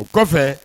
O kɔfɛ